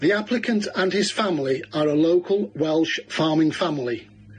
The applicant and his family are a local Welsh farming family.